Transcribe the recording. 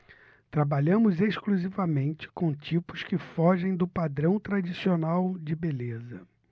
trabalhamos exclusivamente com tipos que fogem do padrão tradicional de beleza